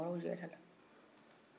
u ye murujan kɛ ka nara kɛ